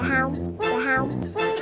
dạ hông dạ hông